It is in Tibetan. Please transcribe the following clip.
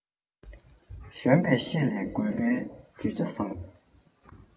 གཞོན པའི ཤེད ལས རྒད པོའི ཇུས བྱ བཟང